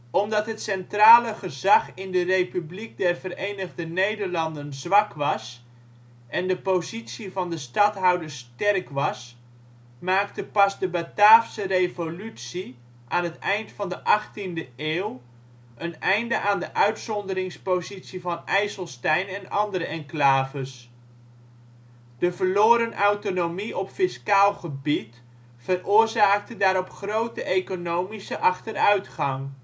Omdat het centrale gezag in de Republiek der Verenigde Nederlanden zwak was en de positie van de stadhouders sterk was maakte pas de Bataafse Revolutie aan het eind van de 18e eeuw een einde aan de uitzonderingspositie van IJsselstein en de andere enclaves. De verloren autonomie op fiscaal gebied veroorzaakte daarop grote economische achteruitgang